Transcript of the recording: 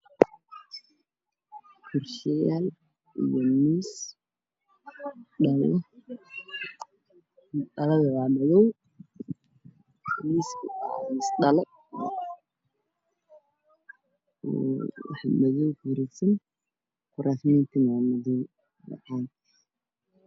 Waa qol waxaa yaalo miiska yahay qaxday kuraas midabkoodu yahay madow daaqada waa caddaan dhulku waa midow